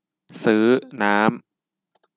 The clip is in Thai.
ซื้อน้ำ